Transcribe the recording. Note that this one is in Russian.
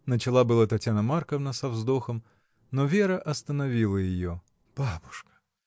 — начала было Татьяна Марковна со вздохом, но Вера остановила ее. — Бабушка!